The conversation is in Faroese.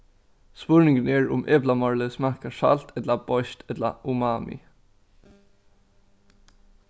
spurningurin er um eplamorlið smakkar salt ella beiskt ella umami